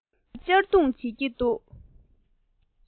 ཐད ཀར གཅར རྡུང བྱེད ཀྱི རེད